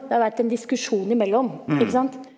det har vært en diskusjon imellom ikke sant.